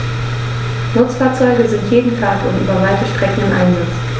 Nutzfahrzeuge sind jeden Tag und über weite Strecken im Einsatz.